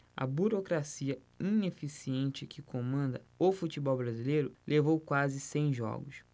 a burocracia ineficiente que comanda o futebol brasileiro levou quase cem jogos